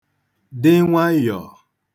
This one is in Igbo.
dị nwayọ̀ọ̀